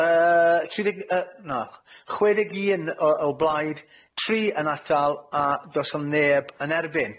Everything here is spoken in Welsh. Yy tri deg yy na ch- chwe deg un yy o o blaid, tri yn atal, a do's 'na neb yn erbyn.